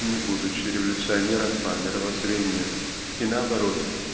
не будучи революционером по мировоззрению и наоборот